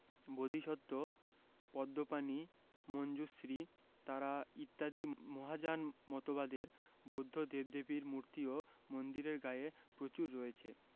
বোধিসত্ত্ব পদ্মপাণিমঞ্জুশ্রী তারা ইত্যাদি মহাযান মতবাদের বৌদ্ধ দেবদেবীর মূর্তিও মন্দিরের গায়ে প্রচুর রয়েছে